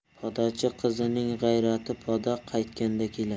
podachi qizining g'ayrati poda qaytganda kelar